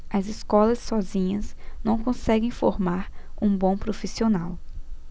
as escolas sozinhas não conseguem formar um bom profissional